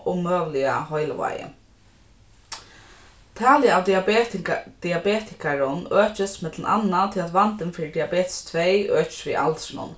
og møguliga heilivági talið av diabetikarum økist millum annað tí at vandin fyri diabetes tvey økist við aldrinum